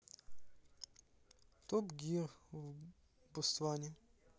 топ гир в ботсване